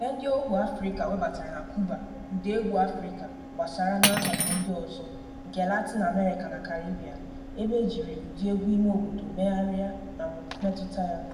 Nke ndịohu Afrịka webatara na Cuba, ụdaegwu Afrịka gbasara n'akụkụ ndị ọzọ nke Latin America na Caribbean, ebe e jiri ụdị egwu imeobodo megharị ma metụta ya.